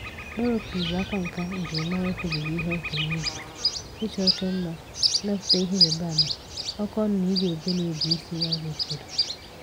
Baroque bụ akanka njiri mara ikwubiga ihe oke n'ije, ịchọ oke mma, mmepụta ihe ịrịba ama, oke ọṅụ na ị dị ebube na-ebu isi n'oge ụfọdụ.